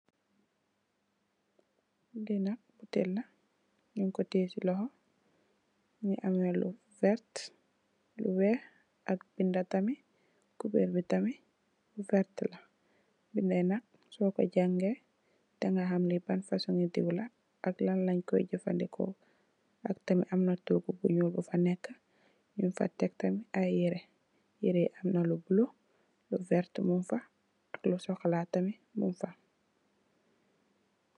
Lee nak botele la nugku teye se lohou muge ameh lu verte lu weex ak beda tamin kuberr be tamin verte la beda ye nak soku jage daga ham le ban fosunge deew la ak lanlenku jufaneku ak tamin amna toogu bu nuul bufa neka nugfa tek tamin aye yere yere ye am lu bulo verte mugfa ak lu sukola tamin mugfa.